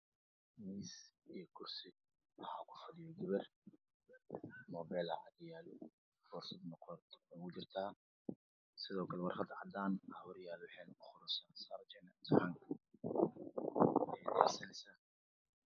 Miis iyo Kursi waxaa ku fadhiso gabar moobeel ag yaalo boorsane qoortay ugu jurtaa sidoo kale warqad cadaan horyaalo waxay ku qoraysaa saan rajaynaa Imtixaanka.